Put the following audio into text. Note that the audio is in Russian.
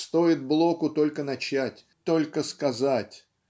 Стоит Блоку только начать, только сказать